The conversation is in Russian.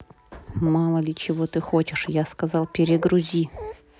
мало ли чего ты хочешь я сказал перегрузи